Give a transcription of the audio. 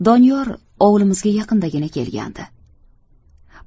doniyor ovulimizga yaqindagina kelgandi